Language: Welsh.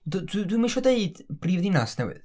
d- dwi dwi'm isho deud brifddinas newydd.